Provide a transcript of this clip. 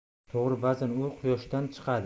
to'g'ri ba'zan u quyushqondan chiqadi